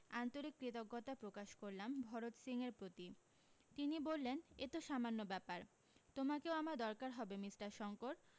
আন্তরিক কৃতজ্ঞতা প্রকাশ করলাম ভরত সিং এর প্রতি তিনি বললেন এতো সামান্য ব্যাপার তোমাকেও আমার দরকার হবে মিষ্টার শংকর